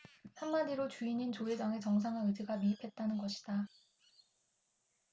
한마디로 주인인 조 회장의 정상화 의지가 미흡했다는 것이다